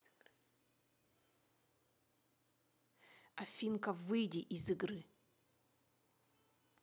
afinka выйди из игры